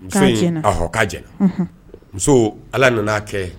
Muso a hɔ ka jɛ muso ala nana kɛ